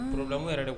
Urulamu yɛrɛ de